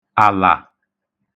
àlà